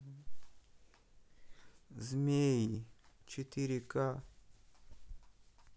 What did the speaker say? змеи четыре ка